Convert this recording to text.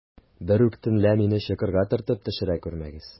Берүк төнлә мине чокырга төртеп төшерә күрмәгез.